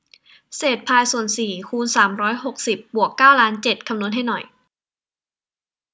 เศษพายส่วนสี่คูณสามร้อยหกสิบบวกเก้าล้านเจ็ด